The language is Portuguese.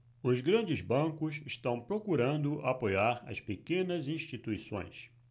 os grandes bancos estão procurando apoiar as pequenas instituições